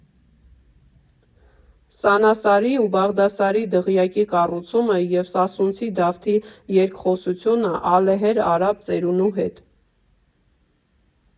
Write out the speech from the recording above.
Սանասարի ու Բաղդասարի դղյակի կառուցումը և Սասունցի Դավթի երկխոսությունը ալեհեր արաբ ծերունու հետ։